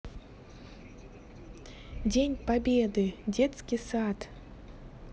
день победы детский сад